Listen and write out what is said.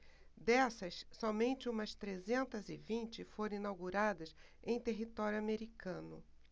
dessas somente umas trezentas e vinte foram inauguradas em território americano